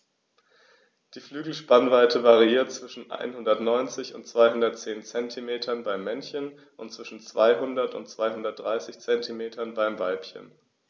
Die Flügelspannweite variiert zwischen 190 und 210 cm beim Männchen und zwischen 200 und 230 cm beim Weibchen.